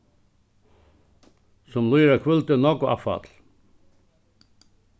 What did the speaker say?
sum líður á kvøldið nógv avfall